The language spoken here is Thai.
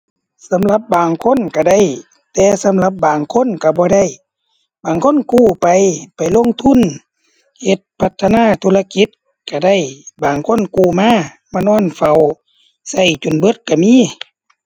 สำหรับบางคนก็ได้ แต่สำหรับบางคนก็บ่ได้ บางคนกู้ไปไปลงทุนเฮ็ดพัฒนาธุรกิจก็ได้ บางคนกู้มามานอนเฝ้า ก็จนเบิดก็มี